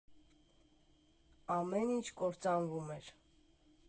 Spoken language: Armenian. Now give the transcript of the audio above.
Ամեն ինչ կործանվում էր։